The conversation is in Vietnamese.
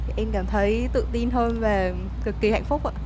em cảm thấy tự tin hơn và cực kỳ hạnh phúc ạ